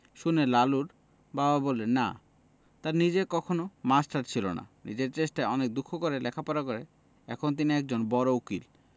শুনে লালুর বাবা বললেন না তাঁর নিজের কখনো মাস্টার ছিল না নিজের চেষ্টায় অনেক দুঃখ করে লেখাপড়া করে এখন তিনি একজন বড় উকিল